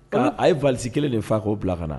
' a yeali kelen de fa k'o bila ka na